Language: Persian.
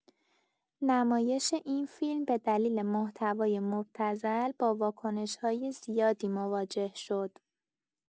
نمایش این فیلم به دلیل محتوای مبتذل، با واکنش‌های زیادی مواجه شد.